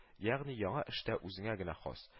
Ягъни яңа эштә үзеңә генә хас